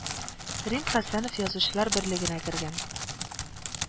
Рим Хәсәнов язучылар берлегенә кергән